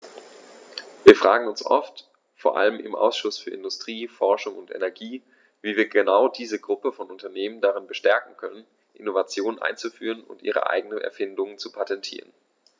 Wir fragen uns oft, vor allem im Ausschuss für Industrie, Forschung und Energie, wie wir genau diese Gruppe von Unternehmen darin bestärken können, Innovationen einzuführen und ihre eigenen Erfindungen zu patentieren.